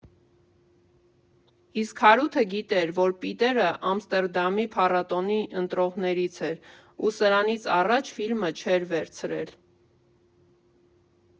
Իսկ Հարութը գիտեր, որ Պիտերը Ամստերդամի փառատոնի ընտրողներից էր ու սրանից առաջ ֆիլմը չէր վերցրել։